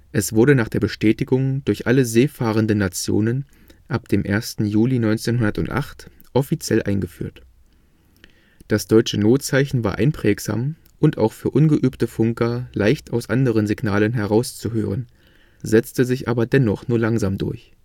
es wurde nach der Bestätigung durch alle seefahrenden Nationen ab dem 1. Juli 1908 offiziell eingeführt. Das deutsche Notzeichen war einprägsam und auch für ungeübte Funker leicht aus anderen Signalen herauszuhören, setzte sich aber dennoch nur langsam durch